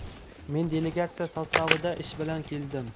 men delegatsiya sostavida ish bilan keldim